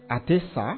A tɛ sa